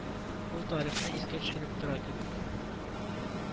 Ул тарихны искә төшереп тора кебек